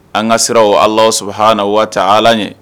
An ka siran o Allahou Soubhana wa ta Ala ɲɛ